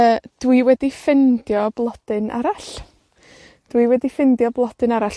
Yy, dwi wedi ffindio blodyn arall. Dwi wedi ffindio blodyn arall.